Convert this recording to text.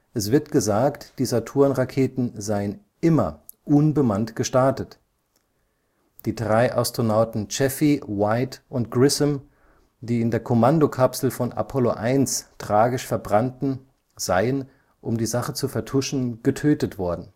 Es wird gesagt, die Saturn-Raketen seien immer unbemannt gestartet. Die drei Astronauten Chaffee, White und Grissom, die in der Kommandokapsel von Apollo 1 tragisch verbrannten, seien, um die Sache zu vertuschen, getötet worden